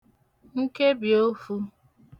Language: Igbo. nkebìofū